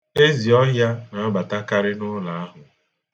Ezi ọhịa na-abatakari n'ụlọ ahụ.